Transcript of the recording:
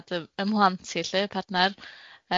a tad fy 'y mhlant i lly pardnar.